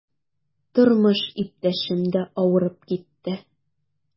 Тормыш иптәшем дә авырып китте.